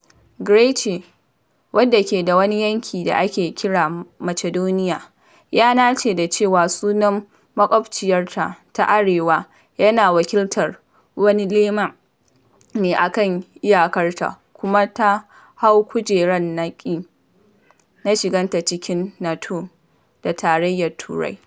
Greece, wadda ke da wani yanki da ake kira Macedonia, ya nace da cewa sunan makwabciyarta ta arewa yana wakiltar wani nema ne a kan iyakarta kuma ta hau-kujerar-na-ki na shiganta cikin NATO da Tarayyar Turai.